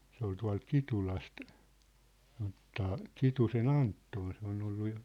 se oli tuolta Kitulasta sanotaan Kitusen Anton se on ollut jo